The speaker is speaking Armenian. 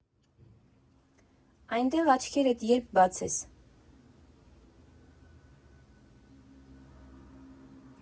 Այնտեղ աչքերդ երբ բացես։